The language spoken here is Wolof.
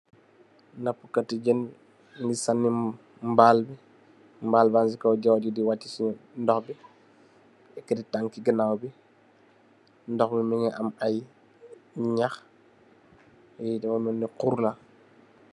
Napukati jeun mungy saandi mbaal bii, mbaal bang cii kaw joohh bii dii waachi cii ndoh bii, ehkati tanki ganaw bii, ndoh bii mungy am aiiy njahh, yii dafa melni huuur la.